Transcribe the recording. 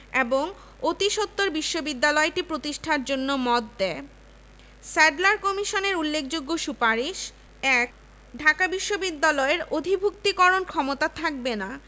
ইসলামী শিক্ষা ও গবেষণা এর শিক্ষা কার্যক্রমের অন্তর্ভুক্ত হবে ১৯১৩ সালে কমিটির প্রতিবেদন প্রকাশিত হওয়ার পর